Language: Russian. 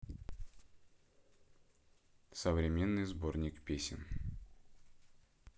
современный сборник песен